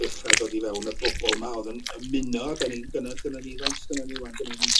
dechra dod i fewn y bobol 'ma o'dd yn ymuno 'dan ni gyna- gyno ni faint sgynnon ni 'wan gynno ni